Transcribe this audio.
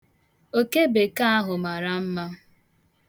Okebekee ahụ mara mma.